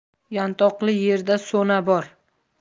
yantoqli yerda so'na bor